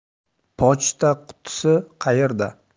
pochta qutisi qayerda